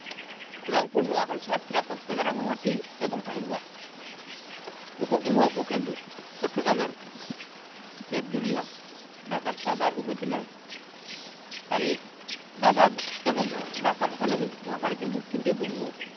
রংপুর নোয়াখালী সাতক্ষীরা কক্সবাজার রাঙ্গামাটি এবং ঠাকুরগাঁও উপগ্রহ ভূ কেন্দ্রঃ চট্টগ্রামের বেতবুনিয়া ঢাকার সাভার উপজেলায় তালিবাবাদ এবং ঢাকা মহানগরীর মহাখালীতে মোট তিনটি উপগ্রহ